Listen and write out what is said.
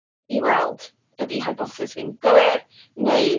i weld ydy hypothesis fi'n gywir neu...